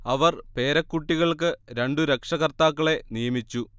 അവർ പേരക്കുട്ടികൾക്ക് രണ്ടു രക്ഷകർത്താക്കളെ നിയമിച്ചു